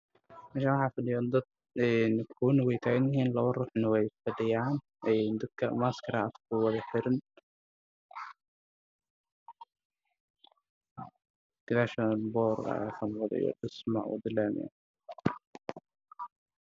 Meeshaan waa laami waxaa iskugu imaaday dad farabadan waana niman qaar wey fadhiyaan qaarna way taaganyihiin shaati ayay wataan